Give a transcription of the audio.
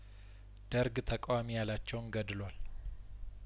ደርግ ተቃዋሚ ያላቸውን ገድሏል